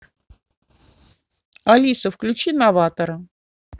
алиса включи новатора